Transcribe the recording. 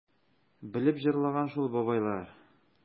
Белеп җырлаган шул бабайлар...